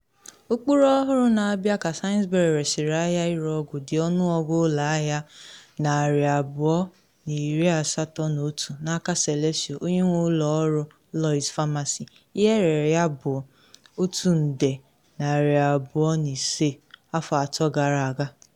Ụkpụrụ ọhụrụ na abịa ka Sainsbury resịrị ahịa ịre ọgwụ dị ọnụọgụ ụlọ ahịa 281 n’aka Celesio, onye nwe ụlọ ọrụ Lloyds Pharmacy, ihe erere ya bụ £125m, afọ atọ gara aga.